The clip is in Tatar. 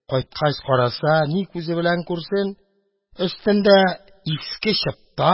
Кайткач караса, ни күзе белән күрсен: өстендә иске чыпта